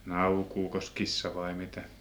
naukuukos kissa vai miten